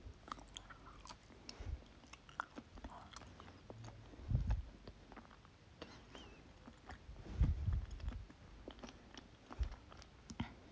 мне плевать на твои траблы